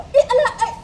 E alah